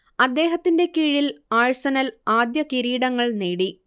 അദ്ദേഹത്തിന്റെ കീഴിൽ ആഴ്സണൽ ആദ്യ കിരീടങ്ങൾ നേടി